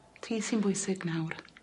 Ti sy'n bwysig nawr.